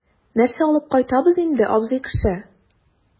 Нәрсә алып кайтабыз инде, абзый кеше?